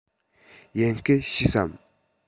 དབྱིན སྐད ཤེས སམ